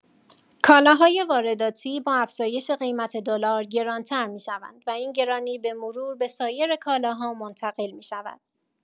کالاهای وارداتی با افزایش قیمت دلار گران‌تر می‌شوند و این گرانی به‌مرور به سایر کالاها منتقل می‌شود.